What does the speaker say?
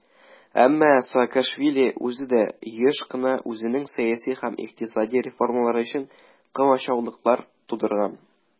Әмма Саакашвили үзе дә еш кына үзенең сәяси һәм икътисади реформалары өчен комачаулыклар тудырган.